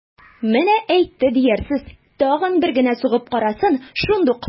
Менә әйтте диярсез, тагын бер генә сугып карасын, шундук...